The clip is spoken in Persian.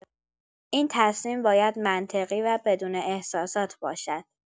این تصمیم باید منطقی و بدون احساسات باشد.